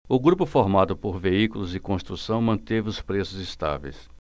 o grupo formado por veículos e construção manteve os preços estáveis